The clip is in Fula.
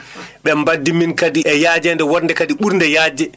ɓe mbaddi min kadi e yaajeede wonnde ɓurnde yaajde